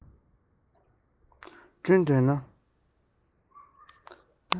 བསྐྲུན འདོད ན